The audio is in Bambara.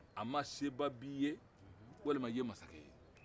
ama seba b'i ye walima i ye mansakɛ ye